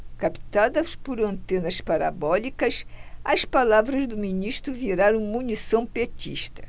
captadas por antenas parabólicas as palavras do ministro viraram munição petista